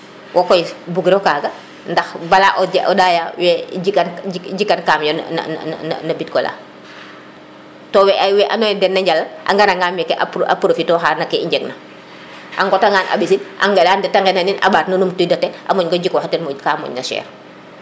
wokoy bugiro kaga ndax bala o ndaya we jik jikan kam na na no bitkola to we ando naye den na njalan a ngara nga meke a profite oxa no ke i njeg na a ŋota ŋaan a mbisin a ŋela ndeta ŋenanin a ɓaat ŋo num tida ten o moƳ ŋo jikoxo ten ka moƴ na chere